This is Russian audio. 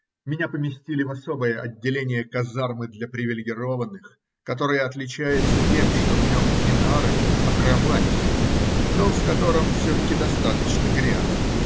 Меня поместили в особое отделение казармы для привилегированных, которое отличается тем, что в нем не нары, а кровати, но в котором все-таки достаточно грязно.